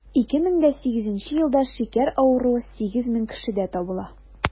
2008 елда шикәр авыруы 8 мең кешедә табыла.